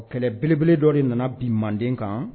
Kɛlɛ belebele dɔ de nana bi manden kan